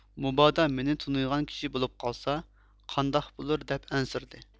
مۇبادا مېنى تونۇيدىغان كىشى بولۇپ قالسا قانداق بولۇر دەپ ئەنسىرىدى